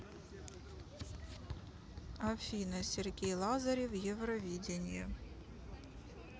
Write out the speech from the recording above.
афина сергей лазарев евровидение